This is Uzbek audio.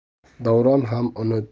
davron ham uni